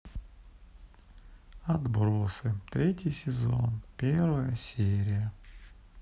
отбросы третий сезон первая серия